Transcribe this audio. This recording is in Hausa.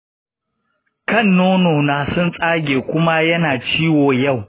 kan nonona sun tsage kuma yana ciwo yau.